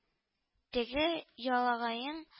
Теге ялагаең